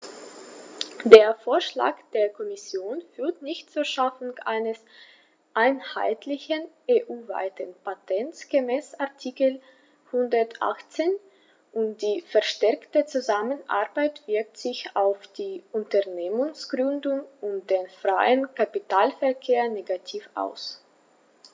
Der Vorschlag der Kommission führt nicht zur Schaffung eines einheitlichen, EU-weiten Patents gemäß Artikel 118, und die verstärkte Zusammenarbeit wirkt sich auf die Unternehmensgründung und den freien Kapitalverkehr negativ aus.